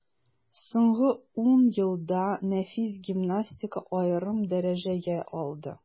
Соңгы ун елда нәфис гимнастика аерым дәрәҗәгә алды.